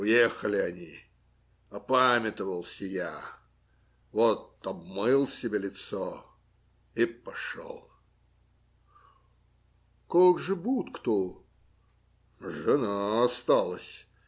Уехали они, опамятовался я, вот обмыл себе лицо и пошел. - Как же будка-то? - Жена осталась.